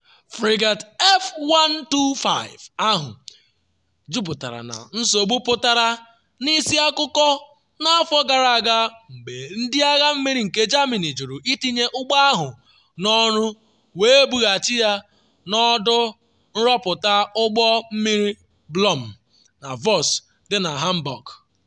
Frigate F125 ahụ juputara na nsogbu pụtara n’isi akụkọ n’afọ gara aga mgbe Ndị Agha Mmiri nke Germany jụrụ itinye ụgbọ ahụ n’ọrụ wee bughachi ya na ọdụ nrụpụta ụgbọ mmiri Blohm & Voss dị na Hamburg.